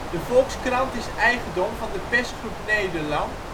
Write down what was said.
De Volkskrant is eigendom van De Persgroep Nederland